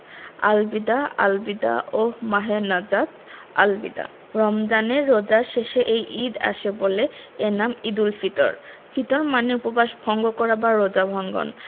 আল বিদা আল বিদা ওহঃ মাহে নাজাত আল বিদা রমজানের রোজার শেষে এই ঈদ আসে বলে এর নাম ঈদুল ফিতর ফিতর মানে উপবাস ভঙ্গ করা বা রোজা ভঙ্গন